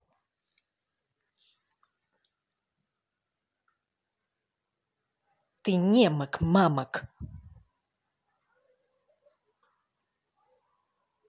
ты немок мамок